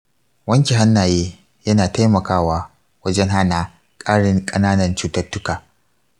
wanke hannaye yana taimakawa wajen hana ƙarin ƙananan cututtuka.